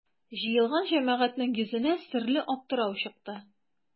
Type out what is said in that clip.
Җыелган җәмәгатьнең йөзенә серле аптырау чыкты.